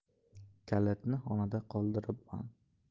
kalitni xonada qoldiribman